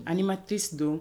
Adama ma te don